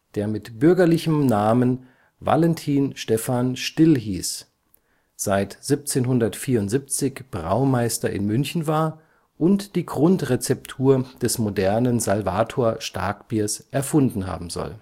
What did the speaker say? der mit bürgerlichem Namen Valentin Stephan Still hieß, seit 1774 Braumeister in München war und die Grundrezeptur des modernen Salvator-Starkbiers erfunden haben soll